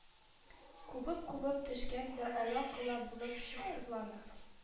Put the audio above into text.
Кубып-кубып төшкән дә ала-кола булып шыксызланып